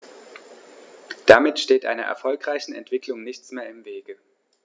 Damit steht einer erfolgreichen Entwicklung nichts mehr im Wege.